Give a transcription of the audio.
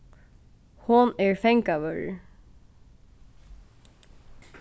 hon er fangavørður